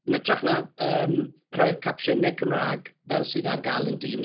Yn hytrach na yym rhoi'r capsiynau Cymraeg fel sydd ar gael yn Teams.